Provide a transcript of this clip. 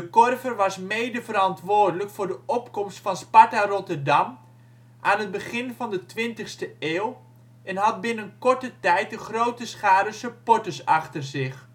Korver was mede verantwoordelijk voor de opkomst van Sparta Rotterdam aan het begin van de twintigste eeuw, en had binnen korte tijd een grote schare supporters achter zich